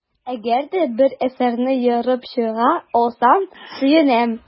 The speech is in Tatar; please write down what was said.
Әгәр дә бер әсәрне ерып чыга алсам, сөенәм.